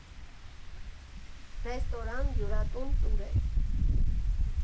Ռեստորան, հյուրատուն, տուրեր։